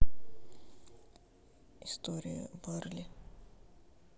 история барли